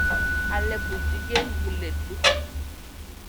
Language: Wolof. Xale bu jigéen bu leetu.